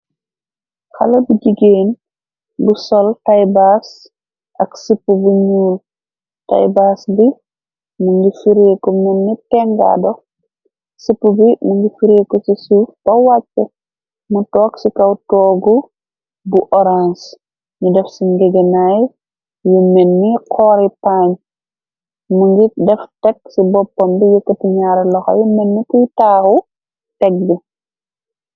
Xale bu jigéen bu sol taybas ak sipu bi ñuul taybas bieni tengaadosip bmë ngi fireeko ci suuf ba wacce mu toog ci kaw toogu bu orange ni def ci ngegenaay yu menni xoori paañ më ngir def tekg ci boppam bi yëkkti ñaara loxoyi mennituy taawu teg bi.